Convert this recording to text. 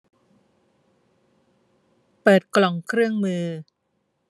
เปิดกล่องเครื่องมือ